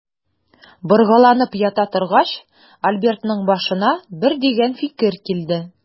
Боргаланып ята торгач, Альбертның башына бер дигән фикер килде.